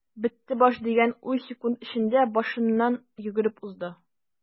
"бетте баш” дигән уй секунд эчендә башыннан йөгереп узды.